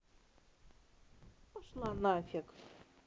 пошла нафиг